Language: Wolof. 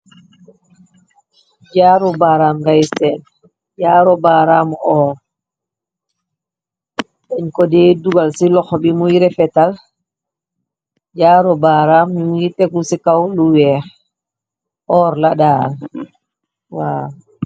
Jaaru baaraam ngay seen jaaru baaraamu or dañ ko deey dugal ci lox bi muy refetal jaaru baaraam yungi tegu ci kaw lu weex or la daala